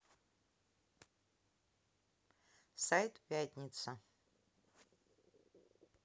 сайт пятница